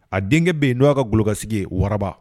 A denkɛ bɛ yen n' aa ka golokasigi ye wararaba